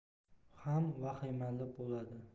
ham vahimali bo'ladi